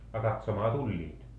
a katsomaan tulivat